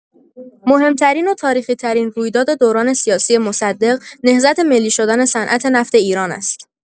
مهم‌ترین و تاریخی‌ترین رویداد دوران سیاسی مصدق، نهضت ملی شدن صنعت‌نفت ایران است.